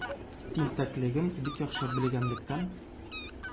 Тинтәклеген бик яхшы белгәнлектән,